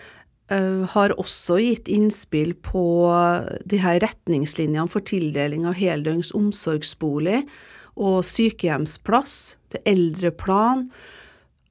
har også gitt innspill på de her retningslinjene for tildeling av heldøgns omsorgsbolig og sykehjemsplass til eldreplan.